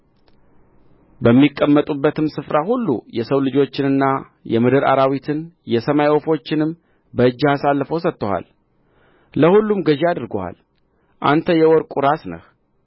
በሚቀመጡበትም ስፍራ ሁሉ የሰው ልጆችንና የምድር አራዊትን የሰማይ ወፎችንም በእጅህ አሳልፎ ሰጥቶሃል ለሁሉም ገዥ አድርጎሃል አንተ የወርቁ ራስ ነህ